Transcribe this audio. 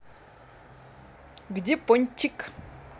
где пончик